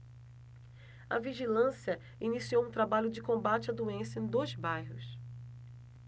a vigilância iniciou um trabalho de combate à doença em dois bairros